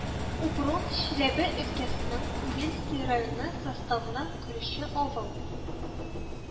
Упрун Чиләбе өлкәсенең Увельский районы составына көрүче авыл